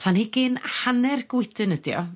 planhigyn hanner gwydyn ydi o